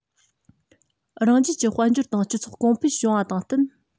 རང རྒྱལ གྱི དཔལ འབྱོར དང སྤྱི ཚོགས གོང འཕེལ བྱུང བ དང བསྟུན